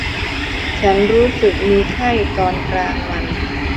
ฉันรู้สึกมีไข้ตอนกลางวัน